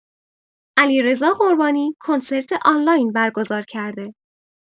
علیرضا قربانی کنسرت آنلاین برگزار کرده!